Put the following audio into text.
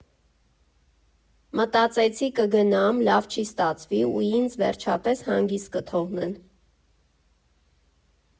Մտածեցի կգնամ, լավ չի ստացվի ու ինձ վերջապես հանգիստ կթողեն։